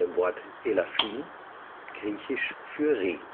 Wort elafin (griechisch für Reh